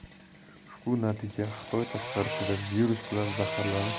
ushbu natija xitoy tashqarisida virus bilan zararlanish